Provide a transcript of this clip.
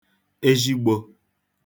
ezhigbō